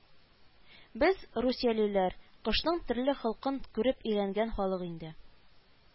Без, русиялеләр, кышның төрле холкын күреп өйрәнгән халык инде